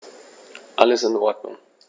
Alles in Ordnung.